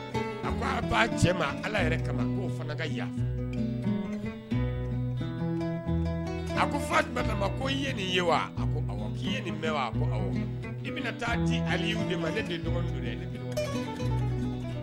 A cɛ ala yɛrɛ kamao fana ka yaa a ko fa kama ko ye nin ye wai ye nin wa i bɛna taa di de ma e tɛ dɔgɔnin